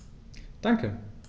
Danke.